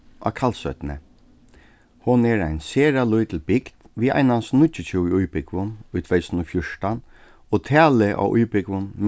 á kalsoynni hon er ein sera lítil bygd við einans níggjuogtjúgu íbúgvum í tvey túsund og fjúrtan og talið á íbúgvum